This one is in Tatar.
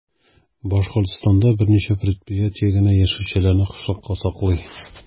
Башкортстанда берничә предприятие генә яшелчәләрне кышкылыкка саклый.